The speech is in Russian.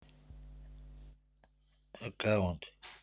аккаунт